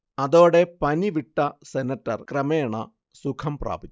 അതോടെ പനിവിട്ട സെനറ്റർ ക്രമേണ സുഖം പ്രാപിച്ചു